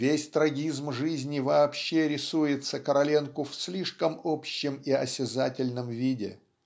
Весь трагизм жизни вообще рисуется Короленко в слишком общем и осязательном виде.